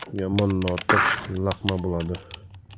yomon notiq laqma bo'ladi